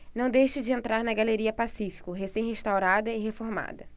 não deixe de entrar na galeria pacífico recém restaurada e reformada